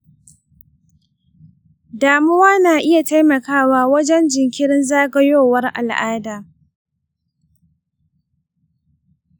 damuwa na iya taimakawa wajen jinkirin zagayowar al’ada.